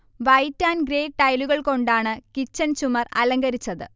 white and grey ടൈലുകൾ കൊണ്ടാണ് kitchen ചുമർ അലങ്കരിച്ചത്